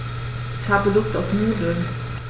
Ich habe Lust auf Nudeln.